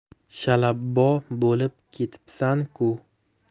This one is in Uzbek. shalabbo bo'lib ketibsan ku